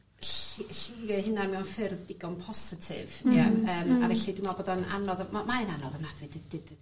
ll- ll- llunio'u hunan mewn ffyrdd digon positif. Hmm... Ie yym... ...hmm. A felly dwi me'wl bod o'n anodd o .. mae o'n anodd ofnadwy